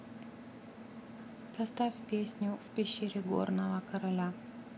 поставь песню в пещере горного короля